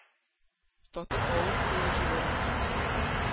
Татып авыр коллык җәберен